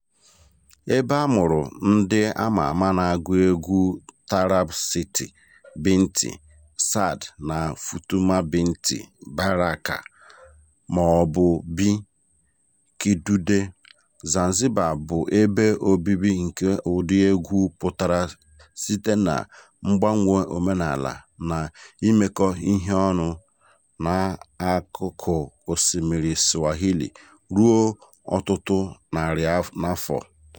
Ebe amụrụ ndị ama ama na-agụ egwu taarab Siti Binti Saad na Fatuma Binti Baraka, ma ọ bụ Bi. Kidude, Zanzibar bụ ebe obibi nke ụdị egwu pụtara site na mgbanwe omenaala na imekọ ihe ọnụ n'akụkụ osimmiri Swahili ruo ọtụtụ narị afọ.